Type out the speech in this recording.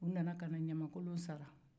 u nana ɲamankolon sara